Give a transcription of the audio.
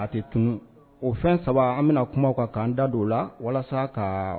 Atɛ tunun o fɛn saba an bɛna kumaw kan'an da don o la walasa ka